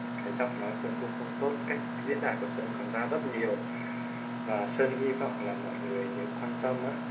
giọng nói của sơn không tốt diễn đạt va vấp nhiều sơn hi vọng nếu mọi người nếu quan tâm